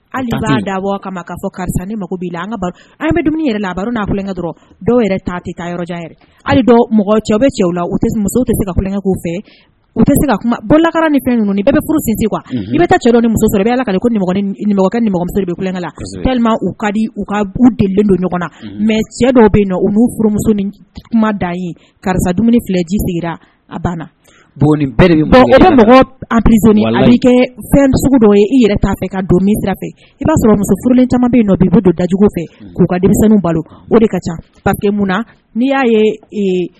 Hali b'a dabɔa fɔ karisa ni mako an an bɛ dumuni la akɛ dɔrɔn dɔw tɛ se kakɛ fɛlaka ni fɛn i musomuso la ka di u ka don ɲɔgɔn na mɛ cɛ dɔw bɛ umuso kuma da ye karisa dumuni filɛ ji sigira a banna bon bɛ mɔgɔ' kɛ dɔ i yɛrɛ ka don min i b'a sɔrɔmuso furulen caman bɛ yen i don dajugu fɛ k'u ka denmisɛn balo o de ca n' y'a